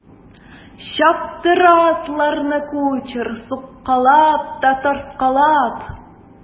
Чаптыра атларны кучер суккалап та тарткалап.